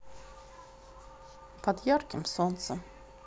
под ярким солнцем